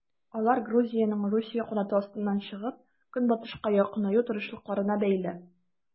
Алар Грузиянең Русия канаты астыннан чыгып, Көнбатышка якынаю тырышлыкларына бәйле.